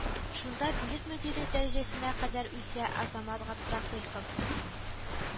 Шунда бүлек мөдире дәрәҗәсенә кадәр үсә Азамат Габдрафыйков